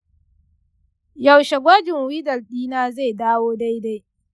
yaushe gwajin widal dina zai dawo daidai?